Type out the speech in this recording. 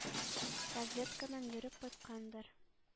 Разведкадан йөреп кайткандыр.